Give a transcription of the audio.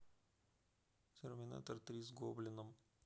терминатор три с гоблином